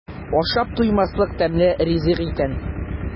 Ашап туймаслык тәмле ризык икән.